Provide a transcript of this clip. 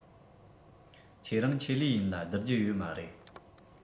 ཁྱེད རང ཆེད ལས ཡིན ལ བསྡུར རྒྱུ ཡོད མ རེད